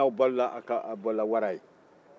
n ko n'aw balola a balola wara ye